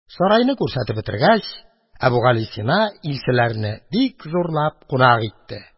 Сарайны күрсәтеп бетергәч, Әбүгалисина илчеләрне бик зурлап кунак итте.